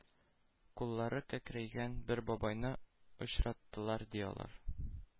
Куллары кәкрәйгән бер бабайны очраттылар, ди, алар.